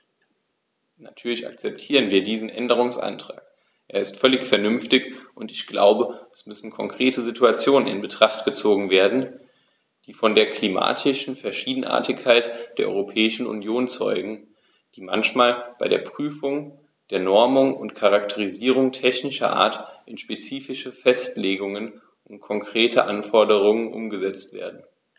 Natürlich akzeptieren wir diesen Änderungsantrag, er ist völlig vernünftig, und ich glaube, es müssen konkrete Situationen in Betracht gezogen werden, die von der klimatischen Verschiedenartigkeit der Europäischen Union zeugen, die manchmal bei der Prüfung der Normungen und Charakterisierungen technischer Art in spezifische Festlegungen und konkrete Anforderungen umgesetzt werden.